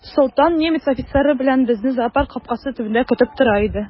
Солтан немец офицеры белән безне зоопарк капкасы төбендә көтеп тора иде.